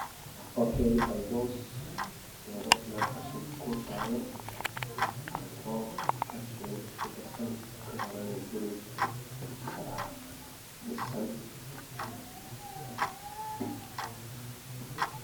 Bishan waxaa ka muuqataa cagacagaha oo jafeyso cali garoon ka waxaana ka dambeeya guri sar ah midabkeeduna waa jaallo